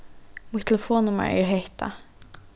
mítt telefonnummar er hetta